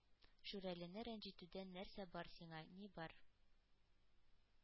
Шүрәлене рәнҗетүдән нәрсә бар сиңа, ни бар?